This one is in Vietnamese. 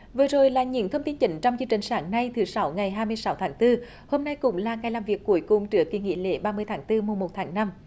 vừa rồi là những thông tin chính trong chương trình sáng nay thứ sáu ngày hai mươi sáu tháng tư hôm nay cũng là ngày làm việc cuối cùng trước kỳ nghỉ lễ ba mươi tháng tư mùng một tháng năm